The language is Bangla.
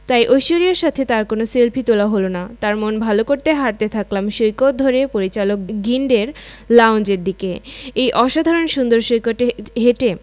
তাই ঐশ্বরিয়ার সাথে তার সেলফি তোলা হলো না তার মন ভালো করতে হাঁটতে থাকলাম সৈকত ধরে পরিচালক গিল্ডের লাউঞ্জের দিকে এই অসাধারণ সুন্দর সৈকতে হেঁটে